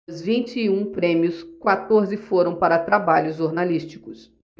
dos vinte e um prêmios quatorze foram para trabalhos jornalísticos